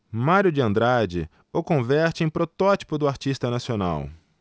mário de andrade o converte em protótipo do artista nacional